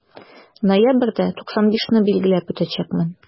Ноябрьдә 95 не билгеләп үтәчәкмен.